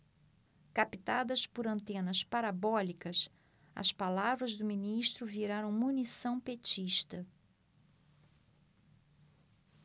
captadas por antenas parabólicas as palavras do ministro viraram munição petista